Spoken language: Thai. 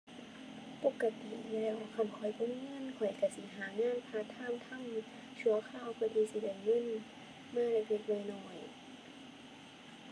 ปกติแล้วคันข้อยไปเฮ็ดงาน ข้อยก็สิหางานพาร์ตไทม์ทำอยู่ ชั่วคราวเพื่อที่สิได้มีเงินเล็กเล็กน้อยน้อย